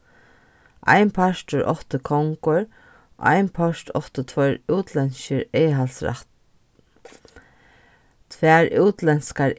ein partur átti kongur ein áttu tveir útlendskir tvær útlendskar